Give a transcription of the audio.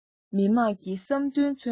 མི དམངས ཀྱི བསམ འདུན མཚོན པ